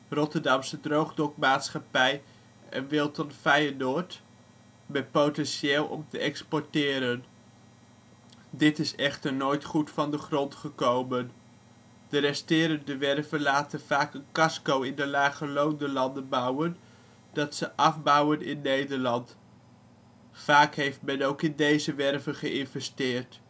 Rotterdamsche Droogdok Maatschappij (RDM) en Wilton-Fijenoord (Onderzeeboot), met potentieel om te exporteren. Dit is echter nooit goed van de grond gekomen. De resterende werven laten vaak een casco in de lage lonen landen bouwen dat ze afbouwen in Nederland. Vaak heeft men ook in deze werven geïnvesteerd